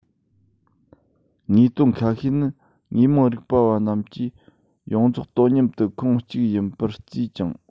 དངོས དོན ཁ ཤས ནི དངོས མང རིག པ བ རྣམས ཀྱིས ཡོངས རྫོགས དོ མཉམ དུ ཁུངས གཅིག ཡིན པར བརྩིས ཀྱང